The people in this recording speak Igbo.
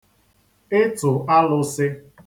ịtụ alūsị̄